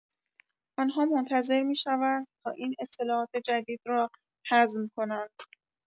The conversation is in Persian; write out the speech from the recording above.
آن‌ها منتظر می‌شوند تا این اطلاعات جدید را هضم کنند.